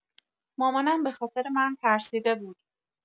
مامانم به‌خاطر من ترسیده بود.